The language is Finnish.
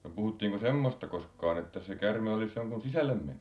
no puhuttiinko semmoista koskaan että se käärme olisi jonkun sisälle mennyt